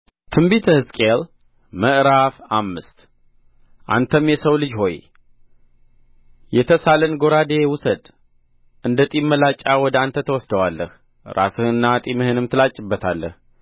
ትንቢተ ሕዝቅኤል ምዕራፍ አምስት አንተም የሰው ልጅ ሆይ የተሳለን ጐራዴ ውሰድ እንደ ጢም መላጫ ወደ አንተ ትወስደዋለህ ራስህንና ጢምህንም ትላጭበታለህ